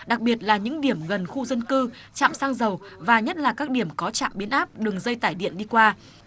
đặc biệt là những điểm gần khu dân cư trạm xăng dầu và nhất là các điểm có trạm biến áp đường dây tải điện đi qua